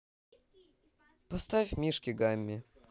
поставь мишки гамми